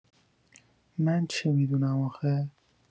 من چه می‌دونم آخه؟